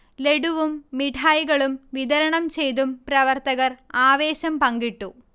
ലഡുവും മിഠായികളും വിതരണംചെയ്തും പ്രവർത്തകർ ആവേശം പങ്കിട്ടു